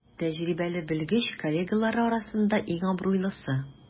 Тәҗрибәле белгеч коллегалары арасында иң абруйлысы.